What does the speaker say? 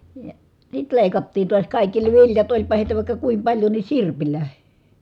ja sitten leikattiin taas kaikki ne viljat olipa heitä vaikka kuinka paljon niin sirpillä